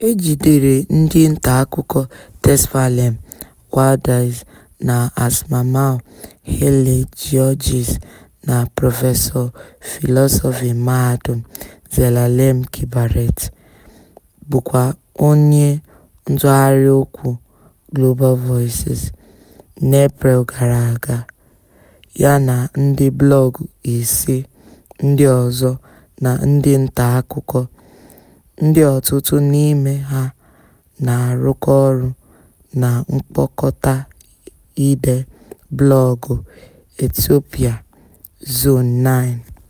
E jidere ndị ntaakụkọ Tesfalem Waldyes na Asmamaw Hailegiorgis na prọfesọ fịlọsọfị mahadum Zelalem Kiberet, bụkwa onye ntụgharị okwu Global Voices, n'Eprel gara aga yana ndị blọọgụ isii ndị ọzọ na ndị ntaakụkọ, ndị ọtụtụ n'ime ha na-arụkọ ọrụ na mkpokọta ide blọọgụ Etiopia Zone9.